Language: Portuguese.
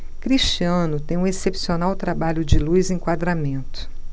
cristiano tem um excepcional trabalho de luz e enquadramento